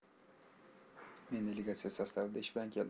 men delegatsiya sostavida ish bilan keldim